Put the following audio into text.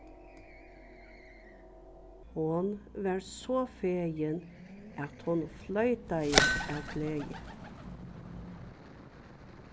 hon var so fegin at hon floytaði av gleði